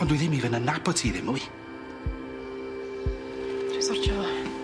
Ond dwi ddim even yn nabot ti ddim mwy. Dwi'n sortio fo.